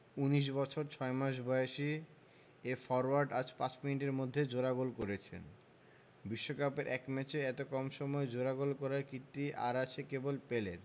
১৯ বছর ৬ মাস বয়সী এই ফরোয়ার্ড আজ ৫ মিনিটের মধ্যে জোড়া গোল করেছেন বিশ্বকাপের এক ম্যাচে এত কম বয়সে জোড়া গোল করার কীর্তি আর আছে কেবল পেলের